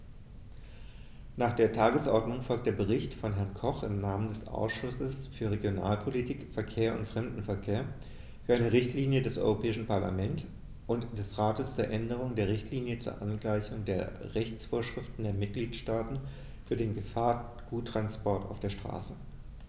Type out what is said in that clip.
Nach der Tagesordnung folgt der Bericht von Herrn Koch im Namen des Ausschusses für Regionalpolitik, Verkehr und Fremdenverkehr für eine Richtlinie des Europäischen Parlament und des Rates zur Änderung der Richtlinie zur Angleichung der Rechtsvorschriften der Mitgliedstaaten für den Gefahrguttransport auf der Straße.